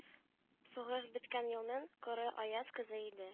Сугыш беткән елның коры, аяз көзе иде.